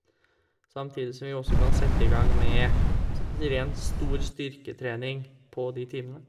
Samtidig som vi også kan sette i gang med s si ren stor styrketrening på de timene.